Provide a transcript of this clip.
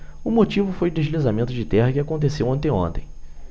o motivo foi o deslizamento de terra que aconteceu anteontem